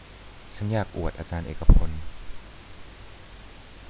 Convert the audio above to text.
ฉันอยากอวดอาจารย์เอกพล